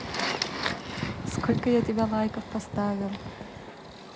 сколько я тебя лайков поставил